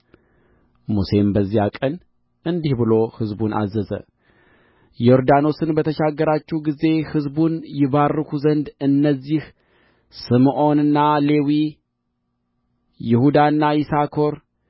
ሙሴም በዚያን ቀን እንዲህ ብሎ ሕዝቡን አዘዘ ዮርዳኖስን በተሻገራችሁ ጊዜ ሕዝቡን ይባርኩ ዘንድ እነዚህ ስምዖንና ሌዊ ይሁዳና ይሳኮር